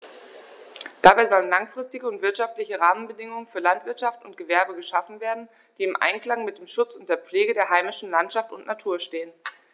Dabei sollen langfristige und wirtschaftliche Rahmenbedingungen für Landwirtschaft und Gewerbe geschaffen werden, die im Einklang mit dem Schutz und der Pflege der heimischen Landschaft und Natur stehen.